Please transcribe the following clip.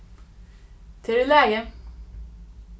tað er í lagi